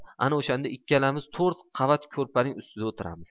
ana o'shanda ikkalamiz to'rt qavat ko'rpaning ustida o'tiramiz